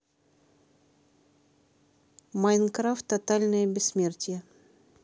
майнкрафт тотальное бессмертия